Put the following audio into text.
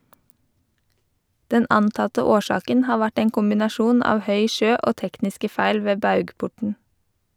Den antatte årsaken har vært en kombinasjon av høy sjø og tekniske feil ved baugporten.